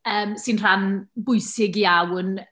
yym, sy'n rhan bwysig iawn.